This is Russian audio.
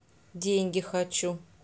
деньги хочу